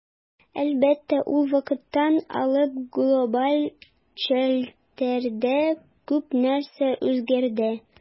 Әлбәттә, ул вакыттан алып глобаль челтәрдә күп нәрсә үзгәрде.